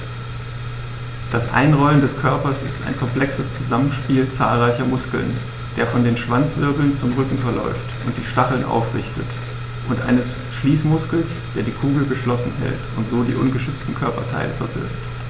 Das Einrollen des Körpers ist ein komplexes Zusammenspiel zahlreicher Muskeln, der von den Schwanzwirbeln zum Rücken verläuft und die Stacheln aufrichtet, und eines Schließmuskels, der die Kugel geschlossen hält und so die ungeschützten Körperteile verbirgt.